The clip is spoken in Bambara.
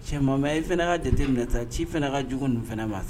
Cɛman i fana ka dtɛminɛ ta ci fana ka jugu ninnu fana ma sa